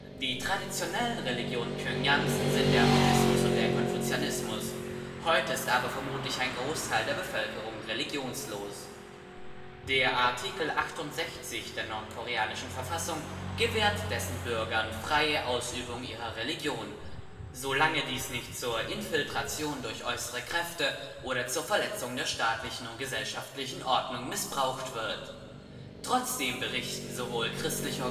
Die traditionellen Religionen Pjöngjangs sind der Buddhismus und der Konfuzianismus, heute ist aber vermutlich ein Großteil der Bevölkerung religionslos. Der Artikel 68 der nordkoreanischen Verfassung gewährt dessen Bürgern freie Ausübung ihrer Religion, solange dies nicht „ zur Infiltration durch äußere Kräfte oder zur Verletzung der staatlichen und gesellschaftlichen Ordnung “missbraucht wird. Trotzdem berichten sowohl christliche